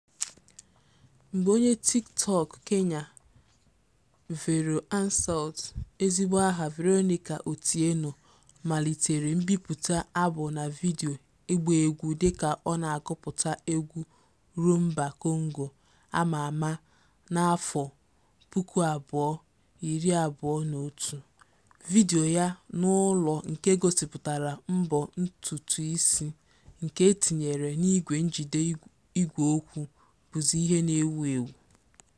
Mgbe onye TikTok Kenya @Veroansalt (ezigbo aha Veronica Otieno) malitere mbipụta abụ na vidiyo ịgba egwu dịka ọ na-agụpụta egwu Rhumba Kongo a ma ama na 2021, vidiyo ya ọ n'ụlọ nke gosịpụtara mbọ ntụtụisi (mic) nke e tinyere n'igwe njide ígwèokwu bụzi ihe na-ewu ewu.